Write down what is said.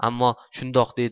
ammo shundoq deydi